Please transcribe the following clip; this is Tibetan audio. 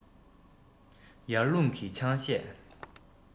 ཡར ཀླུང གིས ཆང གཞས